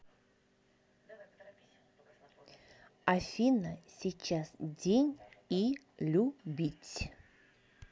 афина сейчас день и любить